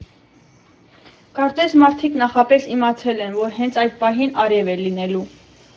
Կարծես մարդիկ նախապես իմացել են, որ հենց այդ պահին արև է լինելու։